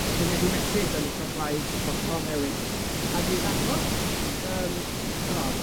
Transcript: rheina 'di methu 'dan ni isio plaid hollol newydd, ag i ddangos yym o